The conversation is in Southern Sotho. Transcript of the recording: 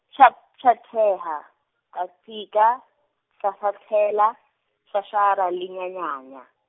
Pjhapjhatheha, qadika, hlahlathela, shashara le nyayanyaya.